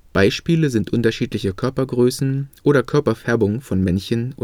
Beispiele sind unterschiedliche Körpergröße oder Körperfärbung von Weibchen und Männchen